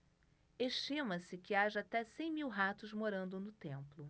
estima-se que haja até cem mil ratos morando no templo